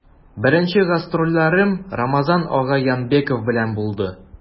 Беренче гастрольләрем Рамазан ага Янбәков белән булды.